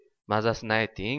mazasini ayting